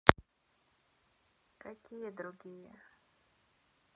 какие другие